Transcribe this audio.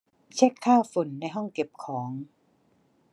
เช็คค่าฝุ่นในห้องเก็บของ